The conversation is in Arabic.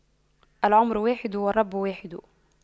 العمر واحد والرب واحد